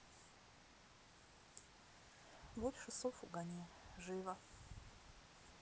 больше сов угони жива